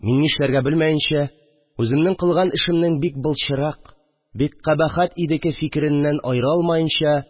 Мин, нишләргә белмәенчә, үземнең кылган эшемнең бик былчырак, бик кабахәт идеке фикереннән аерыла алмаенча